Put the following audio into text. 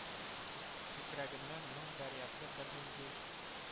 Күкрәгеннән моң дәрьясы бернинди